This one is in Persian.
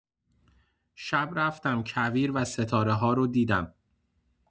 شب رفتم کویر و ستاره‌ها رو دیدم.